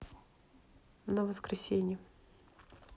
на воскресенье